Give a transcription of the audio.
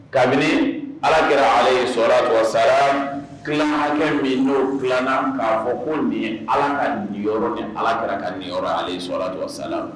Kabini Ala kira aleyihi salaatu wasalaamu n'o kila na k'a fɔ ko nin ye Ala ka ninyɔrɔ ni Ala kira ka ninyɔrɔ aleyihi salaatu wasalaamu.